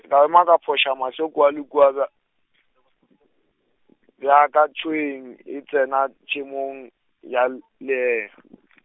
ka ema ka foša mahlo kua le kua bj-, bjaka tšhwene e tsena tšhemong, ya lehea.